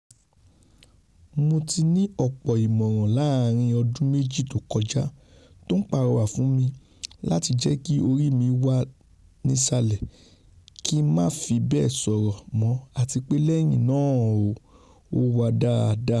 Mo ti ní ọpọ ìmọràn láàrin ọdún méjì tókọjá tó ńpàrọwà fún mi láti jẹ́kí orí mi wà nísàlẹ̀, kí ńmá fí bẹ́ẹ̀ sọ̀rọ̀ mọ́ àtipé lẹ́yìn náà N ó ''wà dáadáa.''